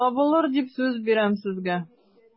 Табылыр дип сүз бирәм сезгә...